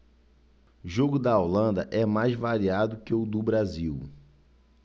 jogo da holanda é mais variado que o do brasil